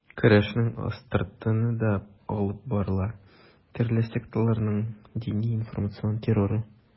Көрәшнең астыртыны да алып барыла: төрле секталарның дини-информацион терроры.